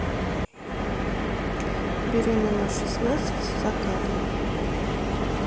беременна в шестнадцать за кадром